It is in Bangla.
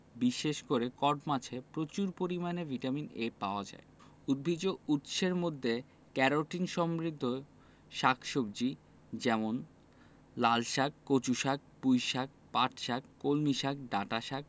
বিশেষ করে কড মাছে প্রচুর পরিমানে ভিটামিন A পাওয়া যায় উদ্ভিজ্জ উৎসের মধ্যে ক্যারোটিন সমৃদ্ধ শাক সবজি যেমন লালশাক কচুশাক পুঁইশাক পাটশাক কলমিশাক ডাঁটাশাক